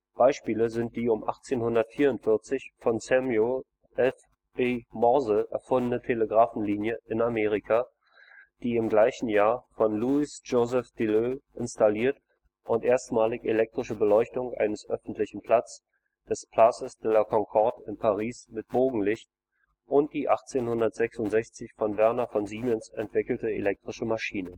Beispiele sind die um 1844 von Samuel F. B. Morse erfundene Telegraphenlinie in Amerika, die im gleichen Jahr von Louis Joseph Deleuil installierte und erstmalige elektrische Beleuchtung eines öffentlichen Platzes, des Place de la Concorde in Paris, mit Bogenlicht und die 1866 von Werner von Siemens entwickelte elektrische Maschine